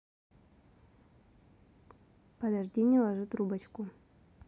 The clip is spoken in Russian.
подожди не ложи трубочку